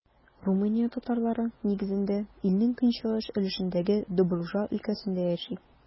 Румыния татарлары, нигездә, илнең көнчыгыш өлешендәге Добруҗа өлкәсендә яши.